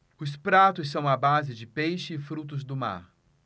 os pratos são à base de peixe e frutos do mar